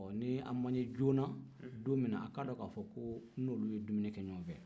bɔn n'a man n ye joona don min na a k'a dɔ ka fɔ ko n n'olu ye dumini kɛ ɲɔgɔn fɛ